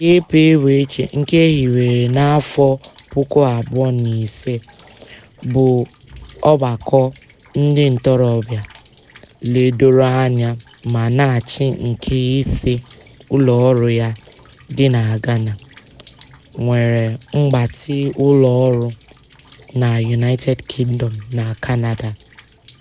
YPWC, nke e hiwere na 2005, bụ ọgbakọ ndị ntorobịa ledoro anya ma na-achị nke isi ụlọọrụ ya dị na Ghana, nwere mgbatị ụlọọrụ na United Kingdom na Canada.